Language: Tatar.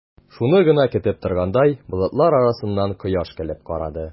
Шуны гына көтеп торгандай, болытлар арасыннан кояш көлеп карады.